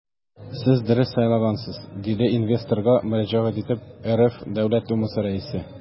Сез дөрес сайлагансыз, - диде инвесторга мөрәҗәгать итеп РФ Дәүләт Думасы Рәисе.